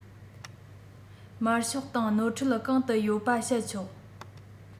མར ཤོག དང ནོར འཁྲུལ གང དུ ཡོད པ བཤད ཆོག